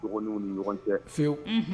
Sogo ninnuw ni ɲɔgɔn cɛ sewu